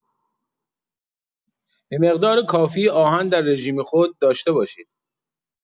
به مقدار کافی آهن در رژیم خود داشته باشید.